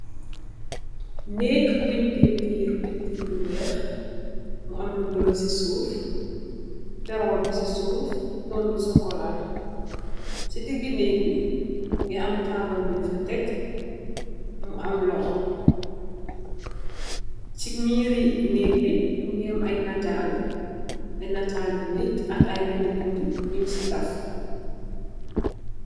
Neeg bun painturr painturr bu week am lu bulo si suuf perrung bi si suuf am lu chocola si digi neeg bi mugi am tabul bung fa teck mu am loxox si meri neeg bi mogi am ay netal ay netali nitt ak ay benda benda yun si taf.